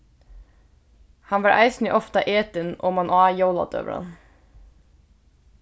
hann var eisini ofta etin oman á jóladøgurðan